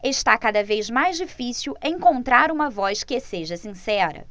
está cada vez mais difícil encontrar uma voz que seja sincera